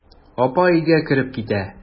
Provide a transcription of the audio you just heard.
Апа өйгә кереп китә.